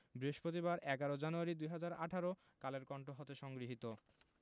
বৃহস্পতিবার ১১ জানুয়ারি ২০১৮ কালের কন্ঠ হতে সংগৃহীত